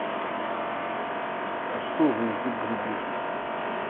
а что за язык грубишь